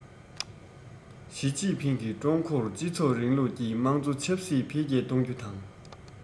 ཞིས ཅིན ཕིང གིས ཀྲུང གོར སྤྱི ཚོགས རིང ལུགས ཀྱི དམངས གཙོ ཆབ སྲིད འཕེལ རྒྱས གཏོང རྒྱུ དང